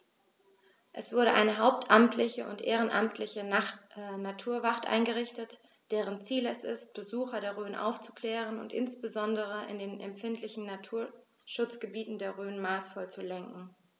Es wurde eine hauptamtliche und ehrenamtliche Naturwacht eingerichtet, deren Ziel es ist, Besucher der Rhön aufzuklären und insbesondere in den empfindlichen Naturschutzgebieten der Rhön maßvoll zu lenken.